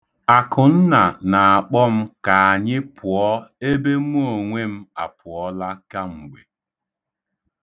Akụnna na-akpọ m ka anyị pụọ ebe mụ onwe m apụọla kamgbe.